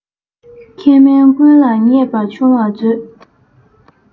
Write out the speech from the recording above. མཁས དམན ཀུན ལ བརྙས པ ཆུང བར མཛོད